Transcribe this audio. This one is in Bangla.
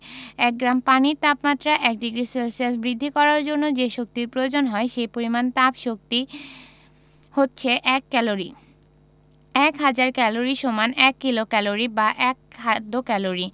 এক গ্রাম পানির তাপমাত্রা ১ ডিগ্রি সেলসিয়াস বৃদ্ধি করার জন্য যে শক্তির প্রয়োজন হয় সে পরিমাণ তাপশক্তি হচ্ছে এক ক্যালরি এক হাজার ক্যালরি সমান এক কিলোক্যালরি বা এক খাদ্য ক্যালরি